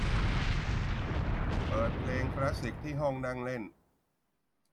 เปิดเพลงคลาสสิกที่ห้องนั่งเล่น